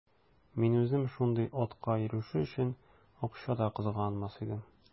Мин үзем шундый атка ирешү өчен акча да кызганмас идем.